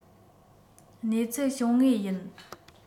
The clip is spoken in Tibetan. གནས ཚུལ བྱུང ངེས ཡིན